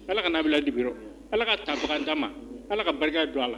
Ala kana' a bila dibi ala ka tabaga da ma ala ka barika don a la